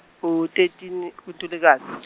u- thirteen uNtulikazi.